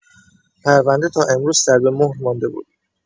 پرونده تا امروز سربه‌مهر مانده بود.